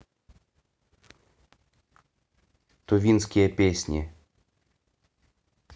тувинские песни